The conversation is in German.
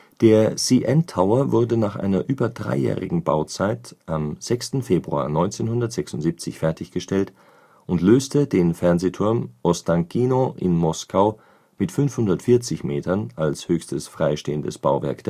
Der CN Tower wurde nach einer über dreijährigen Bauzeit am 6. Februar 1976 fertiggestellt und löste den Fernsehturm Ostankino in Moskau mit 540 Metern als höchstes freistehendes Bauwerk